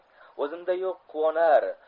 o'zimda yo'q quvonar